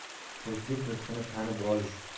o'zbek nutqini tanib olish